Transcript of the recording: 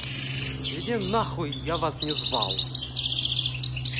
иди нахуй я вас не знал